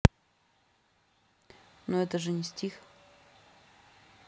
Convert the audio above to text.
ну это же не стих